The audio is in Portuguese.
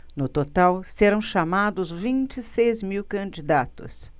no total serão chamados vinte e seis mil candidatos